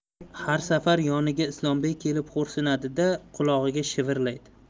har safar yoniga ismoilbey kelib xo'rsinadi da qulog'iga shivirlaydi